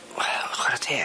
Wel, chware teg.